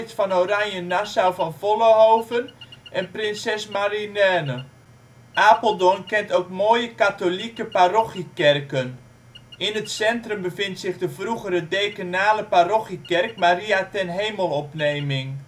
van Oranje-Nassau, van Vollenhoven en Prinses Marilène. Apeldoorn kent ook mooie katholieke parochiekerken. In het centrum bevindt zich de vroegere dekenale parochiekerk Maria ten Hemelopneming